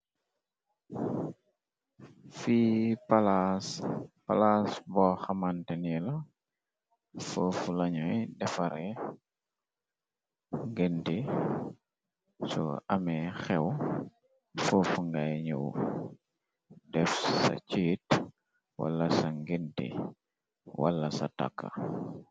Fii palaas, palaas boo xamante ni la, foofu lañuy defare nginti, su amee xew foofu ngay ñu def sa ciit, wala sa nginti, wala sa takka.